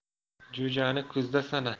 jo'jani kuzda sana